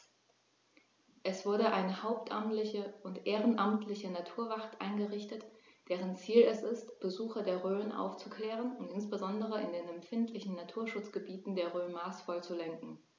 Es wurde eine hauptamtliche und ehrenamtliche Naturwacht eingerichtet, deren Ziel es ist, Besucher der Rhön aufzuklären und insbesondere in den empfindlichen Naturschutzgebieten der Rhön maßvoll zu lenken.